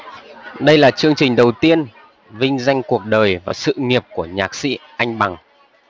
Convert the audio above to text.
đây là chương trình đầu tiên vinh danh cuộc đời và sự nghiệp của nhạc sĩ anh bằng